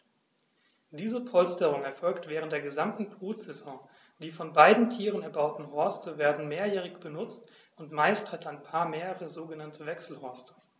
Diese Polsterung erfolgt während der gesamten Brutsaison. Die von beiden Tieren erbauten Horste werden mehrjährig benutzt, und meist hat ein Paar mehrere sogenannte Wechselhorste.